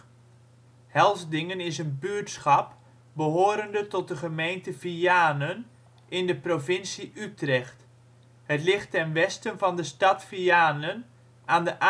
Helsdingen is een buurtschap behorende tot de gemeente Vianen, in de provincie Utrecht. Het ligt ten westen van de stad Vianen aan de